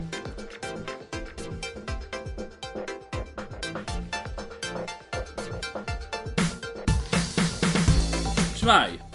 Shwmai?